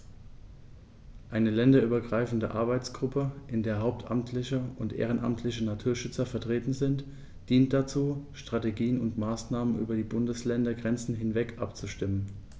Eine länderübergreifende Arbeitsgruppe, in der hauptamtliche und ehrenamtliche Naturschützer vertreten sind, dient dazu, Strategien und Maßnahmen über die Bundesländergrenzen hinweg abzustimmen.